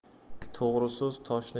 to'g'ri so'z toshni